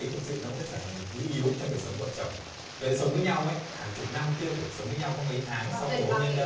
thật sự cũng sẽ trở thành một thứ yếu trong đời sống vợ chồng người ta sống với nhau ấy hàng chục năm chứ đâu phải chỉ sống với nhau có mấy tháng sau cuộc hôn nhân đâu